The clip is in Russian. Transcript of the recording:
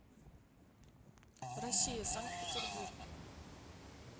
россия санкт петербург